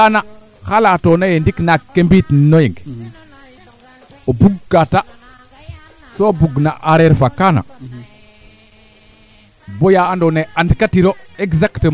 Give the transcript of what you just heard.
d' accord i ndeta nga bo nding ne sutwaa ina ndeeta ye dufe dufe fop a naa mboora yo badole ke wala boog sax xoxox we a njega kee ando naye ten refu manaam peut etre keen soxla a parce que fopa na foora